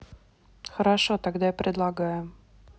хорошо тогда я предлагаю